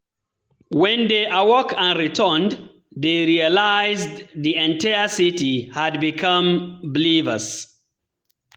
When they awoke and returned, they realized the entire city had become believers.